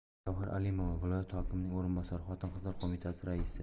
gavhar alimova viloyat hokimining o'rinbosari xotin qizlar qo'mitasi raisi